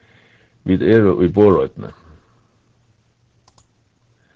vit eru í borðoynni